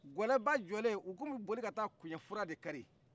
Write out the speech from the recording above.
gɛlɛba jɔlen u k'u bɛ boli ka taa kunjɛ fura de kari